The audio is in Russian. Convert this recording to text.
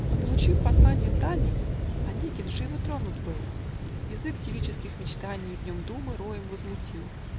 Но, получив посланье Тани, Онегин живо тронут был: Язык девических мечтаний В нем думы роем возмутил